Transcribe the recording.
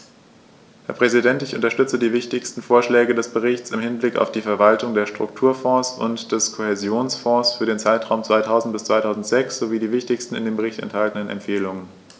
Herr Präsident, ich unterstütze die wichtigsten Vorschläge des Berichts im Hinblick auf die Verwaltung der Strukturfonds und des Kohäsionsfonds für den Zeitraum 2000-2006 sowie die wichtigsten in dem Bericht enthaltenen Empfehlungen.